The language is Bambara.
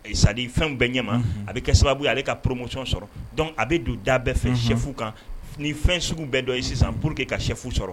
Sa fɛnw bɛɛ ɲɛmaa a bɛ kɛ sababu ale ka poromosi sɔrɔ dɔnkuc a bɛ don da bɛɛ fɛ shɛfu kan ni fɛn sugu bɛ dɔ ye sisan pour que ka shɛfu sɔrɔ